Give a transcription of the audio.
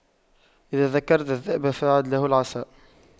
إذا ذكرت الذئب فأعد له العصا